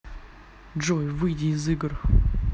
джой выйди из игр